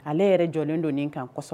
Ale yɛrɛ jɔlen don nin kan kɔsɔ